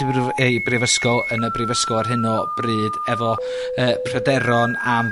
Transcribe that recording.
ei brifysgol, yn y brifysgol ar hyn o bryd, efo y pryderon am